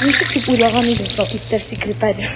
Ә син ничек дип уйлаган идең соң, иптәш секретарь?